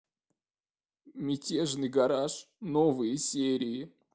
мятежный гараж новые серии